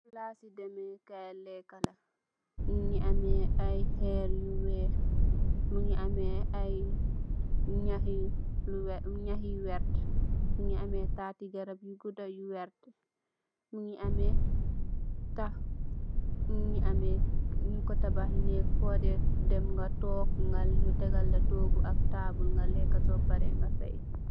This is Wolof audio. Plassi demeh kaii lehkah la, mungy am aiiy kherre yu wekh, mungy ameh aiiy njahh yu, lu njahh yu vertue, mungy ameh taati garab yu guda yu vertue, mungy ameh takh, mungy ameh njung kor tabakh nehgg for dae dem nga tok nga nju tehgal la tohgu ak taabul nga lekah sor pareh nga feyy.